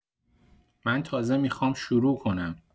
من تازه میخوام شروع کنم